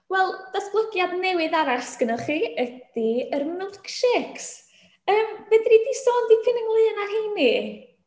Wel, datblygiad newydd arall 'sgennoch chi ydy yr milkshakes. Yym fedri di sôn dipyn ynglyn â rheini?